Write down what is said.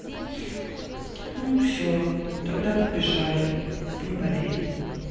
ну все тогда побежали не болей